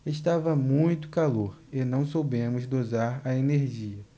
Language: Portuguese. estava muito calor e não soubemos dosar a energia